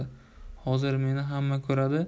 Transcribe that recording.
hozir meni hamma ko'radi